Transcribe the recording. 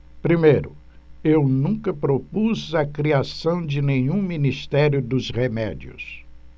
primeiro eu nunca propus a criação de nenhum ministério dos remédios